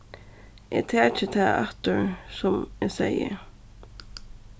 eg taki tað aftur sum eg segði